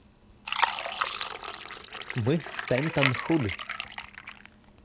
мы stanton худ